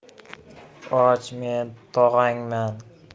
och men tog'o yingmen